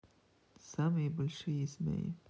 самые большие змеи